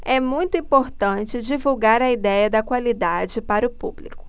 é muito importante divulgar a idéia da qualidade para o público